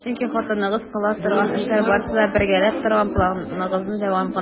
Чөнки хатыныгыз кыла торган эшләр барысы да - бергәләп корган планыгызның дәвамы гына!